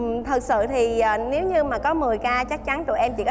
thật sự thì nếu như mà có mười ca chắc chắn tụi em chỉ